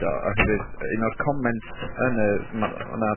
...o oherwydd un o'r comments yn yr... Ma'... O 'na